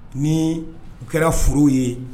Ni u kɛra furu ye